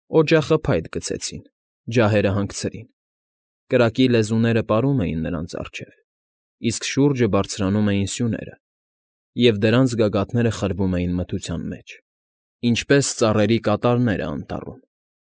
Օջախը փայտ գցեցին, ջահերը հանգցրին, կրակի լեզուները պարում էին նրանց առջև, իսկ շուրջը բարձրանում էին սյուները, և դրանց գագաթները սրվում էին մթության մեջ, ինչպես ծառերի կատարները անտառում։